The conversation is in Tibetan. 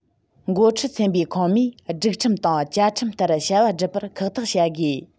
འགོ ཁྲིད ཚན པའི ཁོངས མིས སྒྲིག ཁྲིམས དང བཅའ ཁྲིམས ལྟར བྱ བ སྒྲུབ པར ཁག ཐེག བྱ དགོས